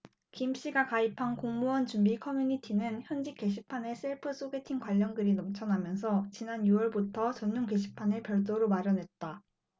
김씨가 가입한 공무원 준비 커뮤니티는 현직 게시판에 셀프 소개팅 관련 글이 넘쳐나면서 지난 유 월부터 전용 게시판을 별도로 마련했다